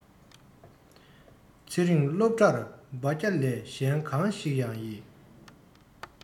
ཚེ རིང སློབ གྲྭར འབ བརྒྱ ལས གཞན གང ཞིག ཡང ཡི